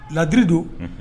Ladiri don, unhun.